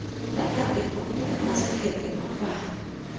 lãnh đạo tỉnh phóng bút và doanh nghiệp gánh hậu quả